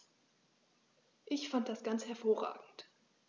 Ich fand das ganz hervorragend.